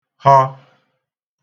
họ